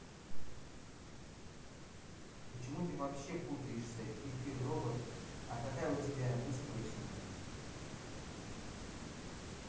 почему ты вообще путаешься и ты робот а какая у тебя выставочная